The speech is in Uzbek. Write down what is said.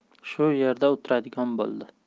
shu yerda o'tiradigan bo'ldi